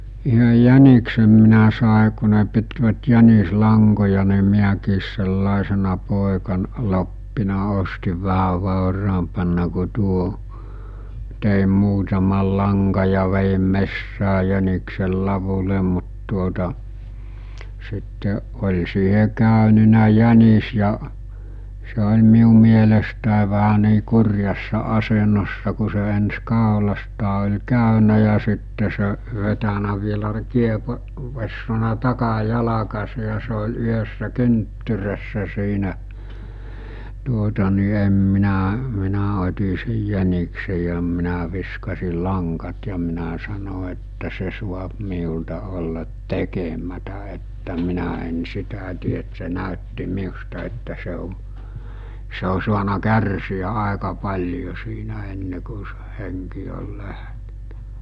yhden jäniksen minä sain kun ne pitivät jänislankoja niin minäkin sellaisena - pojankloppina ostin vähän vauraampana kuin tuo tein muutaman langan ja vedin metsään jäniksen ladulle mutta tuota sitten oli siihen käynyt jänis ja se oli minun mielestäni vähän niin kurjassa asennossa kun se ensin kaulastaan oli käynyt ja sitten se vetänyt vielä - kiepoessaan takajalkansa ja se oli yhdessä kynttyrässä siinä tuota niin en minä minä otin sen jäniksen ja minä viskasin langat ja minä sanoin että se saa minulta olla tekemättä että minä en sitä tee että se näytti minusta että se on se on saanut kärsiä aika paljon siinä ennen kuin sen henki oli lähtenyt